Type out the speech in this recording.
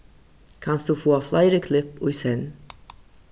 kanst tú fáa fleiri klipp í senn